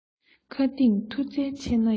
མཁའ ལྡིང མཐུ རྩལ ཆེ ན ཡང